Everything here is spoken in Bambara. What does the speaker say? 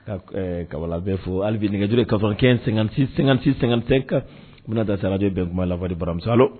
Ka kaba bɛ fɔ'bi nɛgɛjre ka kɛ--gasɛ bɛna da saradenw bɛn kun lafa baramisa la